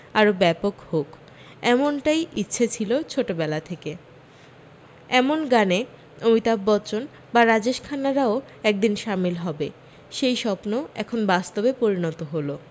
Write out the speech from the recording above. আরও ব্যাপক হোক এমনটাই ইচ্ছে ছিল ছোটবেলা থেকে এমন গানে অমিতাভ বচ্চন বা রাজেশ খান্নারাও একদিন সামিল হবে সেই স্বপ্ন এখন বাস্তবে পরিণত হল